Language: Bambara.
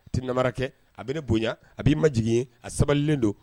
Ti namara kɛ a bɛ ne bonya a b'i maj jigin ye a sabalilen don